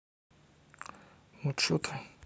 ну че ты